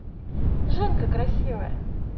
жинка красивая